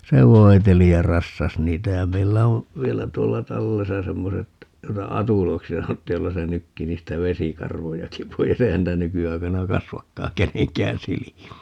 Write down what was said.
se voiteli ja rassasi niitä ja meillä on vielä tuolla tallessa semmoiset joita atuloiksi sanottiin joilla se nykki niistä vesikarvojakin pois eihän niitä nykyaikana kasvakaan kenenkään silmiin niin